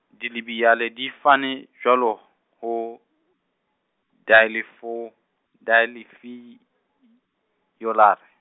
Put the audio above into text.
dilebiyale di fane jwalo ho, diaelefo-, dialefiyolare.